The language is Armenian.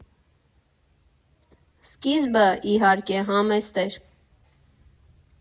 Սկիզբը, իհարկե, համեստ էր։